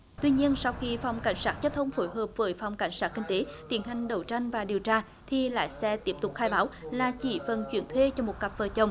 tuy nhiên sau khi phòng cảnh sát giao thông phối hợp với phòng cảnh sát kinh tế tiến hành đấu tranh và điều tra thì lái xe tiếp tục khai báo là chỉ vận chuyển thuê cho một cặp vợ chồng